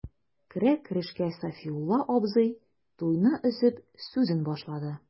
Керә-керешкә Сафиулла абзый, туйны өзеп, сүзен башлады.